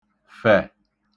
-fẹ̀